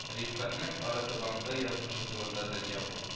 Рифкатьнең арытабангы язмышы турында Дөнья бу